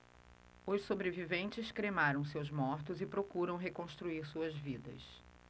os sobreviventes cremaram seus mortos e procuram reconstruir suas vidas